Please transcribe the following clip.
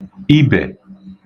ibè